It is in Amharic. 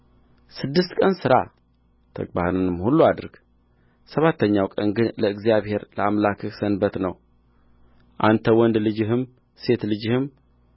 ስድስት ቀን ሥራ ተግባርህንም ሁሉ አድርግ ሰባተኛው ቀን ግን ለእግዚአብሔር ለአምላክህ ሰንበት ነው አንተ ወንድ ልጅህም ሴት ልጅህም